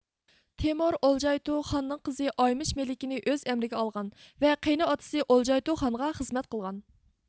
تېمۇر ئولجايتۇ خاننىڭ قىزى ئايمىچ مەلىكىنى ئۆز ئەمرىگە ئالغان ۋە قېينىئاتىسى ئولجايتۇ خانغا خىزمەت قىلغان